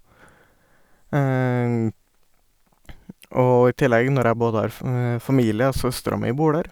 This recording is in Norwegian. Og i tillegg når jeg både har f familie, og søstera mi bor der.